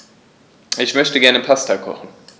Ich möchte gerne Pasta kochen.